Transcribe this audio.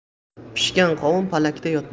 pishgan qovun palakda yotmas